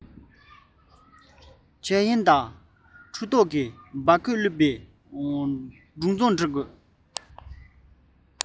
འཆལ ཡན དང འཁྲུལ རྟོག གི འབག གོས བཀླུབས པའི སྒྲུང རྩོམ བྲིས དང